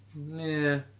ia